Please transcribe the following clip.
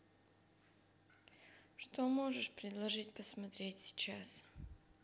что можешь предложить посмотреть сейчас